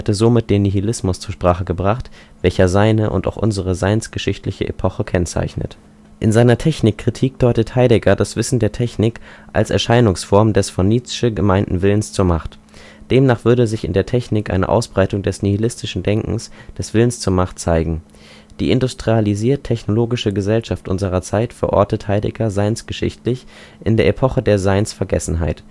somit den Nihilismus zur Sprache gebracht, welcher seine und auch unsere „ seinsgeschichtliche Epoche “kennzeichnet. In seiner Technikkritik deutet Heidegger das Wesen der Technik als Erscheinungsform des von Nietzsche gemeinten Willens zur Macht. Demnach würde sich in der Technik eine Ausbreitung des nihilistischen Denkens, des Willens zur Macht zeigen. Die industrialisiert-technologische Gesellschaft unserer Zeit verortet Heidegger seinsgeschichtlich in der Epoche der Seinsvergessenheit